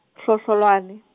Hlohlolwane.